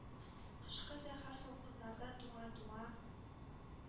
Кышкы зәһәр салкыннарда туңа-туңа...